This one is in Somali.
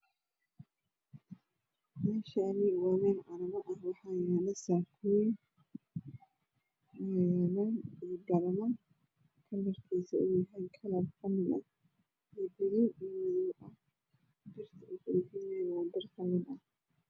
Meeshaan waa meel carwo ah waxaa yaalo saakooyin iyo garamo kalarkoodu waa qalin, gaduud iyo madow. Birta ay kudhagan yihiin waa qalin.